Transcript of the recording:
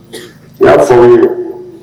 U y'a fɔ ɲɛna